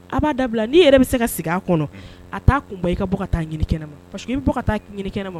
A b'a dabila n'i yɛrɛ bɛ se ka segin a kɔnɔ a taa kunba i ka bɔ ka taa ɲini kɛnɛ na parceseke i ka taa ɲini kɛnɛ ma